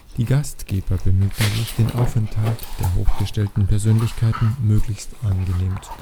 Die Gastgeber bemühten sich, den Aufenthalt der hochgestellten Persönlichkeiten möglichst angenehm zu